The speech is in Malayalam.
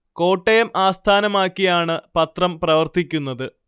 കോട്ടയം ആസ്ഥാനമാക്കിയാണ് പത്രം പ്രവർത്തിക്കുന്നത്